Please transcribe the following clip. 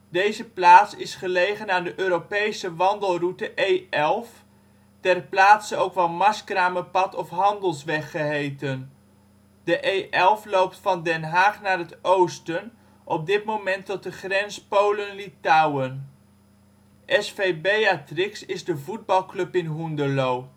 Deze plaats is gelegen aan de Europese wandelroute E11, ter plaatse ook wel Marskramerpad of Handelsweg geheten. De E11 loopt van Den Haag naar het oosten, op dit moment tot de grens Polen/Litouwen. SV Beatrix is de voetbalclub in Hoenderloo